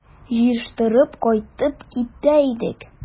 Җыештырып кайтып китә идек...